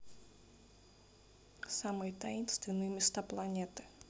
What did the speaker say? самые таинственные места планеты